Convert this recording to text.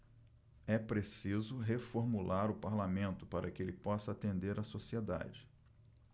é preciso reformular o parlamento para que ele possa atender a sociedade